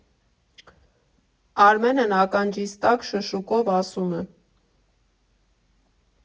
Արմենն ականջիս տակ շշուկով ասում է.